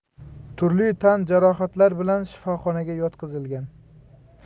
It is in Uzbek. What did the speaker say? turli tan jarohatlari bilan shifoxonaga yotqizilgan